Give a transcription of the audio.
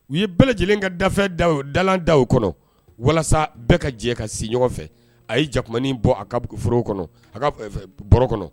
U ye bɛɛ lajɛlen ka dafɛ da dala da kɔnɔ walasa bɛɛ ka jɛ ka se ɲɔgɔn fɛ a ye jain bɔ a ka foro kɔnɔ ka b baro kɔnɔ